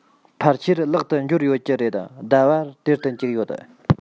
ཕལ ཆེར ལག ཏུ འབྱོར ཡོད ཀྱི རེད ཟླ བར སྟེར དུ བཅུག ཡོད